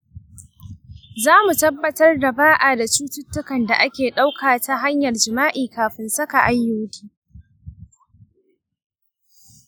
za mu tabbatar ba a da cututtukan da ake ɗauka ta hanyar jima’i kafin saka iud.